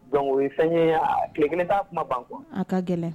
Dongo ye fɛn ye yan tile kelen' kuma ban a ka gɛlɛn